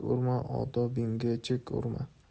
urma odobingga chek urma